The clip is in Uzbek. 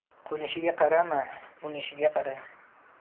qo'nishiga qarama unishiga qara